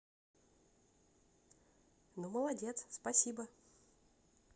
ну молодец спасибо